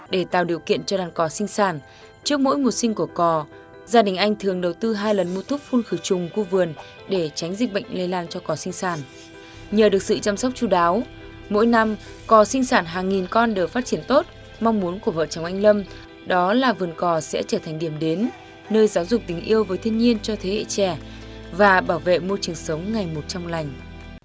để tạo điều kiện cho đàn cò sinh sản trước mỗi mùa sinh của cò gia đình anh thường đầu tư hai lần mua thuốc phun khử trùng khu vườn để tránh dịch bệnh lây lan cho cỏ sinh sản nhờ được sự chăm sóc chu đáo mỗi năm cò sinh sản hàng nghìn con được phát triển tốt mong muốn của vợ chồng anh lâm đó là vườn cò sẽ trở thành điểm đến nơi giáo dục tình yêu với thiên nhiên cho thế hệ trẻ và bảo vệ môi trường sống ngày một trong lành